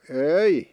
ei